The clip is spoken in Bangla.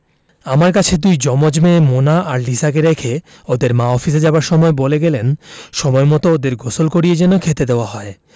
আমার কাছে দুই জমজ মেয়ে মোনা আর লিসাকে রেখে ওদের মা অফিসে যাবার সময় বলে গেলেন সময়মত ওদের গোসল করিয়ে যেন খেতে দেওয়া হয়